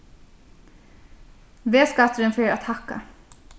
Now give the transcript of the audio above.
vegskatturin fer at hækka